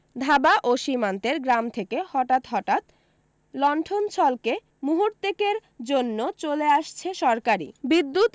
ধাবা ও সীমান্তের গ্রাম থেকে হঠাত হঠাত লন্ঠন ছলকে মুহূর্তেকের জন্য চলে আসছে সরকারী বিদ্যুত